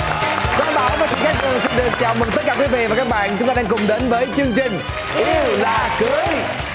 quang bảo và chị cát tường xin được chào mừng tất cả quý vị và các bạn chúng ta đang cùng đến với chương trình yêu là cưới